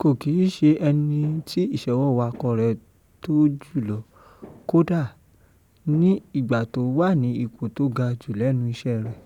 Kò kìíṣe ẹnítí ìṣọwọ́wakọ̀ rẹ̀ tọ́ jùlọ kóda ní ìgbà tó wà ní ìpò tó ga jù lẹ́nu iṣẹ́ rẹ̀,